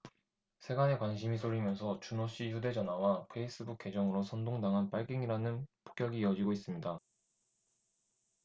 세간의 관심이 쏠리면서 준호씨 휴대전화와 페이스북 계정으로 선동 당한 빨갱이라는 폭격이 이어지고 있습니다